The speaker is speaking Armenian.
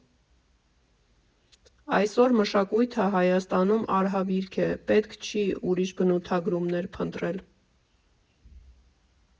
Այսօր մշակույթը Հայաստանում արհավիրք է՝ պետք չի ուրիշ բնութագրումներ փնտրել։